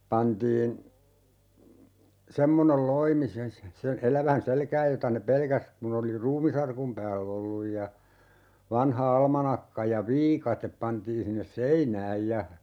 pantiin semmoinen loimi sen sen elävän selkään jota ne pelkäsi kun oli ruumisarkun päällä ollut ja vanha almanakka ja viikate pantiin sinne seinään ja